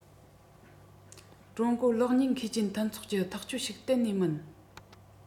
ཀྲུང གོ གློག བརྙན མཁས ཅན མཐུན ཚོགས གྱི ཐག གཅོད ཞིག གཏན ནས མིན